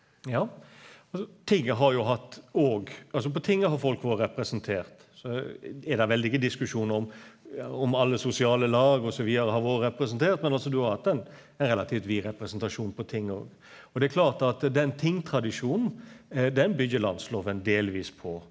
ja altså tinget har jo hatt òg altså på tinget har folk vore representert, så er det veldige diskusjonar om om alle sosiale lag osv. har vore representert, men altså du har hatt ein ein relativt vid representasjon på tinget òg, og det er klart at den tingtradisjonen den byggjer landsloven delvis på.